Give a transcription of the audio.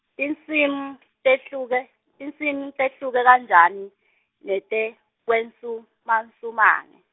tinsim- tehluke, tinsimu tehluke kanjani nete -kwensumansumane?